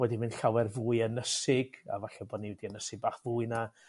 wedi mynd llawer fwy ynysig a falle bo' ni wedi ynysu bach fwy na